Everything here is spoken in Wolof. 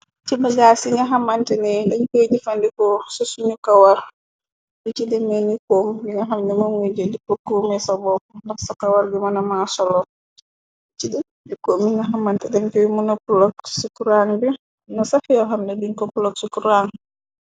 Ci bagaar ci ña xamante ne dañ koy jëfandikoo sa suñu kawar bi ci demee ni koom bi nga xam ñamo ngoy jë di pokkbu meysa bopp ndax sa kawar gi mëna ma solo ci dëpdikoo mi na xamante dañ koy mu na plog ci kuraan bi na saxyo xamna duñ ko plok ci kuran.